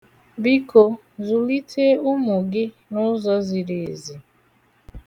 Biko, zụlite ụmụ gị n'ụzọ ziri ezi.